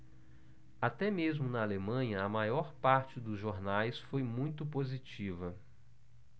até mesmo na alemanha a maior parte dos jornais foi muito positiva